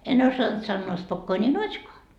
en osannut sanoa spokkooni notskoa